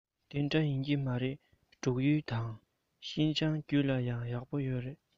དེ འདྲ ཡིན གྱི མ རེད འབྲུག ཡུལ དང ཤིན ཅང རྒྱུད ལ ཡང གཡག ཡོད རེད